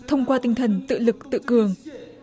thông qua tinh thần tự lực tự cường